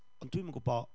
Ond dwi'm yn gwybod,